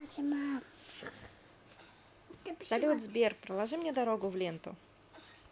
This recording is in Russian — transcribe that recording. салют сбер проложи мне дорогу в ленту